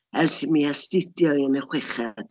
Ers i mi astudio hi yn y chweched.